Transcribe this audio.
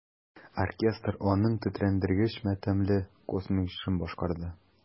Оркестр аның тетрәндергеч матәмле космик җырын башкарды.